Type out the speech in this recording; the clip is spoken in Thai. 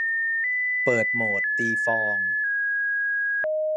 เปิดโหมดตีฟอง